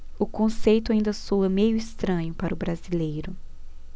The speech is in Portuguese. o conceito ainda soa meio estranho para o brasileiro